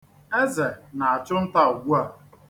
Eze na-achụ nta ugbua.